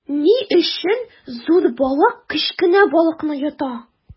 Ни өчен зур балык кечкенә балыкны йота?